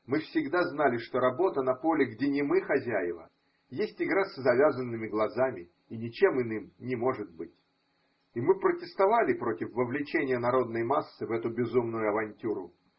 Мы всегда знали, что работа на поле, где не мы хозяева, есть игра с завязанными глазами и ничем иным не может быть, и мы протестовали против вовлечения народной массы в эту безумную авантюру.